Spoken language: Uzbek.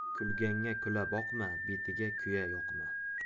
kulganga kula boqma betiga kuya yoqma